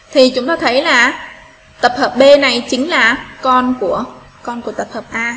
thì chúng ta thấy nè tập hợp b này chính là con của con của tập hợp a